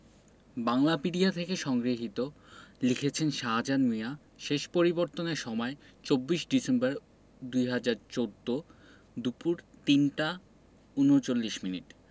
বাংলাপিডিয়া থেকে সংগৃহীত লিখেছেনঃ সাজাহান মিয়া শেষ পরিবর্তনের সময় ২৪ ডিসেম্বর ২০১৪ দুপুর ৩টা ৩৯মিনিট